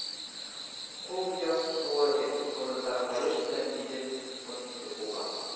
Кул яссуы зурлыгындагы каеш белән билен нык итеп буган